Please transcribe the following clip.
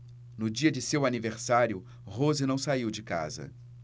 no dia de seu aniversário rose não saiu de casa